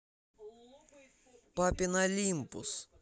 папин олимпос